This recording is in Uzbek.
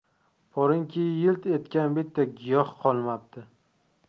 boringki yilt etgan bitta giyoh qolmabdi